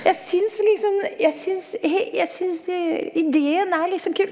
jeg syns liksom jeg syns jeg syns ideen er liksom kul.